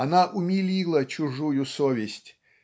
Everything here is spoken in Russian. она умилила чужую совесть